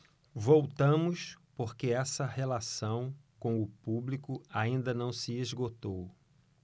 voltamos porque essa relação com o público ainda não se esgotou